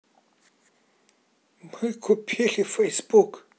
мы купили фейсбук